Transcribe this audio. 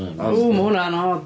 W, mae hwnna yn od.